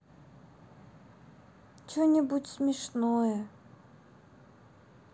че нибудь смешное